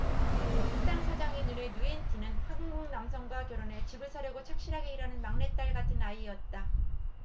식당 사장의 눈에 누엔티는 한국 남성과 결혼해 집을 사려고 착실하게 일하는 막내딸 같은 아이였다